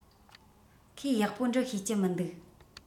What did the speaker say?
ཁོས ཡག པོ འབྲི ཤེས ཀྱི མི འདུག